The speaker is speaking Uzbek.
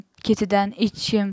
ketidan echkim